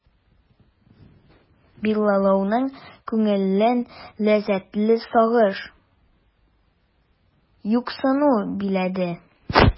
Билаловның күңелен ләззәтле сагыш, юксыну биләде.